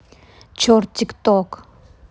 черт тик ток